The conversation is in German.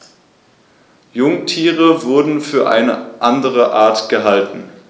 Jungtiere wurden für eine andere Art gehalten.